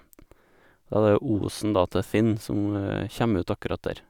Da er det osen, da, til Tinn, som kjem ut akkurat der.